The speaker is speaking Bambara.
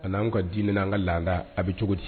Ani n'an ka di' an ka laada a bɛ cogo di